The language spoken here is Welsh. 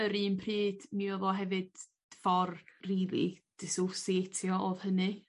yr un pryd mi odd o hefyd ffor dwi 'di disosieitio odd hynny